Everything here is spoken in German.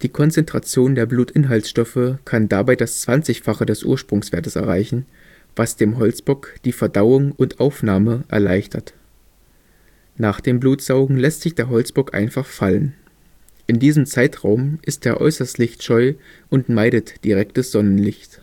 Konzentration der Blutinhaltstoffe kann dabei das Zwanzigfache des Ursprungswertes erreichen, was dem Holzbock die Verdauung und Aufnahme erleichtert. Nach dem Blutsaugen lässt sich der Holzbock einfach fallen. In diesem Zeitraum ist er äußerst lichtscheu und meidet direktes Sonnenlicht